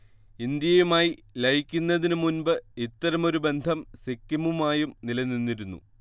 ഇന്ത്യയുമായി ലയിക്കുന്നതിനു മുൻപ് ഇത്തരമൊരു ബന്ധം സിക്കിമുമായും നിലനിന്നിരുന്നു